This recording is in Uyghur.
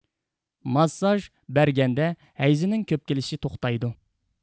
ماسساژ بەرگەندە ھەيزنىڭ كۆپ كېلىشى توختايدۇ